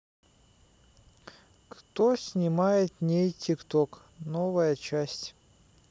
кто снимет ней тикток новая часть